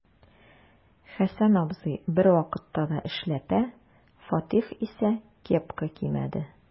Хәсән абзый бервакытта да эшләпә, Фатих исә кепка кимәде.